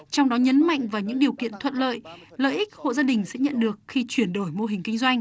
trong đó nhấn mạnh vào những điều kiện thuận lợi lợi ích hộ gia đình sẽ nhận được khi chuyển đổi mô hình kinh doanh